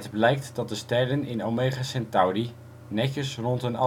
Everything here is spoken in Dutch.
blijkt dat de sterren in Omega Centauri netjes rond een